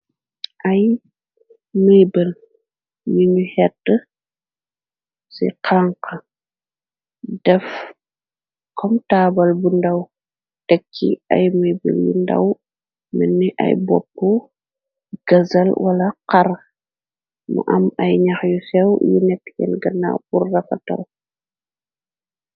ay mëybal yuñu xett ci xank def komtaabal bu ndaw tekki ay mëybal yu ndaw menni ay bopp gëzal wala xar mu am ay ñax yu sew yu net yel ganna purrafa tar